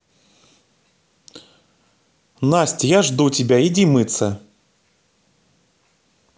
настя я жду тебя иди мыться